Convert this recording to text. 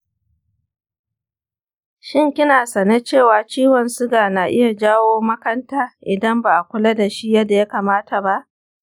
shin kina sane cewa ciwon suga na iya jawo makanta idan ba a kula da shi yadda ya kamata ba?